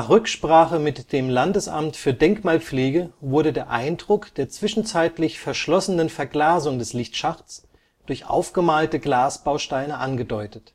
Rücksprache mit dem Landesamt für Denkmalpflege wurde der Eindruck der zwischenzeitlich verschlossenen Verglasung des Lichtschachts durch aufgemalte Glasbausteine angedeutet